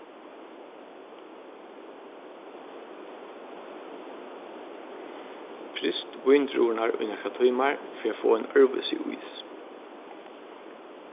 fryst víndrúvurnar í nakrar tímar fyri at fáa ein øðrvísi ís